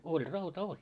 oli rauta oli